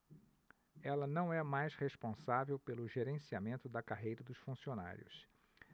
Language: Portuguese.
ela não é mais responsável pelo gerenciamento da carreira dos funcionários